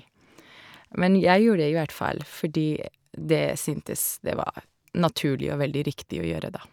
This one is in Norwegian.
Men jeg gjorde det i hvert fall fordi det syntes det var naturlig og veldig riktig å gjøre da.